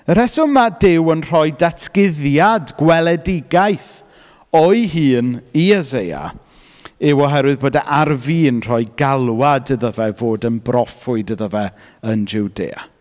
Y rheswm ma' Duw yn rhoi datguddiad, gweledigaeth, o'i hun i Eseia yw oherwydd bod e ar fin rhoi galwad iddo fe fod yn broffwyd iddo fe yn Jwdea.